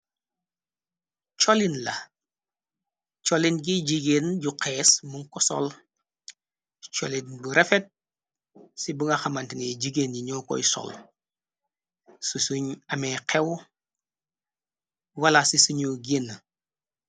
Cholin la, cholin gi jigéen bu xees mun ko sol. Cholin bu refet ci bu nga xamantine jigéen yi ñoo koy sol. Su suñu amee xew wala ci suñu génni.